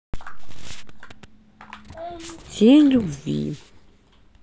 тень любви